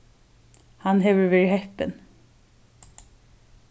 hann hevur verið heppin